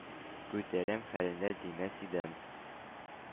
Күтәрәм хәлендә димәс идем.